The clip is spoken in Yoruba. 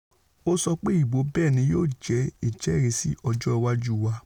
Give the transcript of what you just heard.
Ó sọ pé ìbò ''bẹ́ẹ̀ni'' yóò jẹ ''ìjẹ́ríìsí ọjọ́ iwájú wa.”